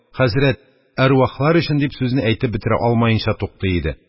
«хәзрәт, әрвахлар өчен...» – дип, сүзене әйтеп бетерә алмаенча туктый иде.